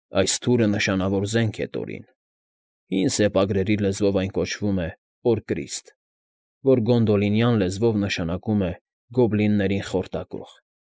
Այս թուրը նշանավոր զենք է, Տորին, հին սեպագրերի լեզվով այն կոչվում է Օրկրիստ, որ գոնդոլինյան լեզվով նշանակում է Գոբլիններին Խորտակող։